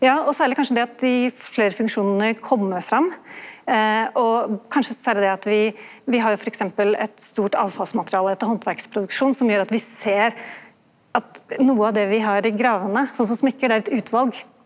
ja og særleg kanskje det at dei fleire funksjonane kjem fram og kanskje særleg det at vi vi har jo f.eks. eit stort avfallsmateriale etter handverksproduksjon som gjer at vi ser at noko av det vi har i gravene, sånn som smykkar, er eit utval.